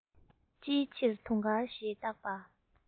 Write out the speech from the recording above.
ཅིའི ཕྱིར དུང དཀར ཞེས བཏགས པ